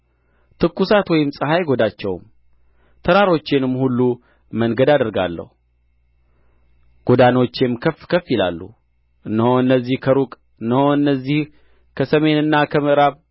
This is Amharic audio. ትኩሳት ወይም ፀሐይ አይጐዳቸውም ተራሮቼንም ሁሉ መንገድ አደርጋለሁ ጎዳኖቼም ከፍ ከፍ ይላሉ እነሆ እነዚህ ከሩቅ እነሆም እነዚህ ከሰሜንንና ከምዕራብ